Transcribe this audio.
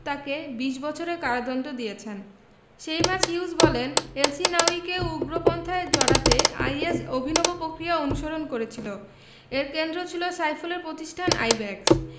তাকে ২০ বছরের কারাদণ্ড দিয়েছেন সেইমাস হিউজ বলছেন এলসহিনাউয়িকে উগ্রপন্থায় জড়াতে আইএস অভিনব পক্রিয়া অনুসরণ করেছিল এর কেন্দ্রে ছিল সাইফুলের প্রতিষ্ঠান আইব্যাকস